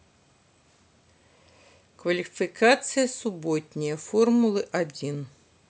квалификация субботняя формулы один